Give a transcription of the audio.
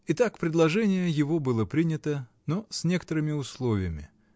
Итак, предложение его было принято, но с некоторыми условиями.